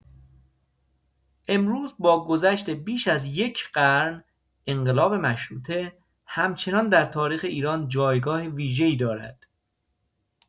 امروز با گذشت بیش از یک قرن، انقلاب مشروطه همچنان در تاریخ ایران جایگاه ویژه‌ای دارد.